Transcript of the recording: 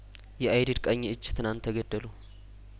የአይዲድ ቀኝ እጅ ትናንት ተገደሉ